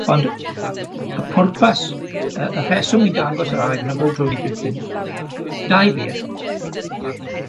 Ond y pwrpas yy y rheswm i dangos yr arwydd yn y bob tro hyn, dau beth,